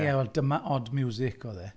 Ie, wel Dyma Odd Music oedd e.